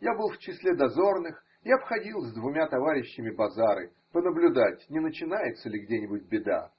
Я был в числе дозорных и обходил с двумя товарищами базары – понаблюдать, не начинается ли где-нибудь беда.